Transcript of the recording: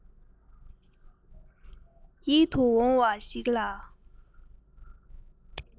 ཡིད དུ འོང བ ཞིག ཡིན